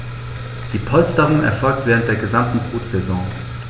Diese Polsterung erfolgt während der gesamten Brutsaison.